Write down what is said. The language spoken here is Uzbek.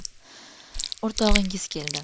o'rtog'ingiz keldi